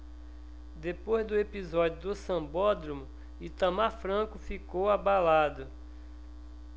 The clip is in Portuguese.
depois do episódio do sambódromo itamar franco ficou abalado